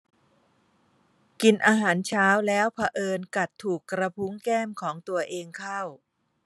กินอาหารเช้าแล้วเผอิญกัดถูกกระพุ้งแก้มของตัวเองเข้า